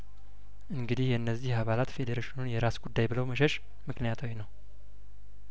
እንግዲህ የእነዚህ አባላት ፌዴሬሽኑን የራስህ ጉዳይብለው መሸሽ ምክንያታዊ ነው